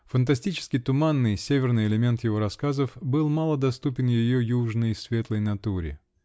Фантастически-туманный, северный элемент его рассказов был мало доступен ее южной, светлой натуре.